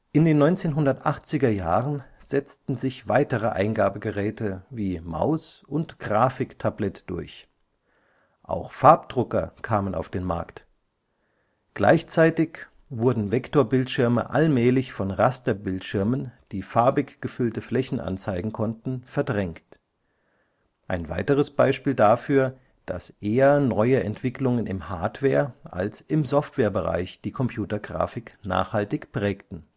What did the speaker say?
In den 1980er Jahren setzten sich weitere Eingabegeräte wie Maus und Grafiktablett durch; auch Farbdrucker kamen auf den Markt. Gleichzeitig wurden Vektorbildschirme allmählich von Rasterbildschirmen, die farbig gefüllte Flächen anzeigen konnten, verdrängt – ein weiteres Beispiel dafür, dass eher neue Entwicklungen im Hardware - als im Softwarebereich die Computergrafik nachhaltig prägten